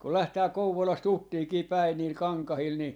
kun lähdetään Kouvolasta Uttiinkin päin niillä kankailla niin